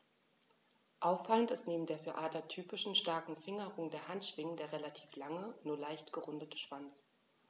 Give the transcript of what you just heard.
Auffallend ist neben der für Adler typischen starken Fingerung der Handschwingen der relativ lange, nur leicht gerundete Schwanz.